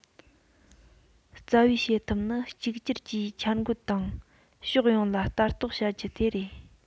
རྩ བའི བྱེད ཐབས ནི གཅིག གྱུར གྱིས འཆར འགོད དང ཕྱོགས ཡོངས ལ ལྟ རྟོག བྱ རྒྱུ དེ རེད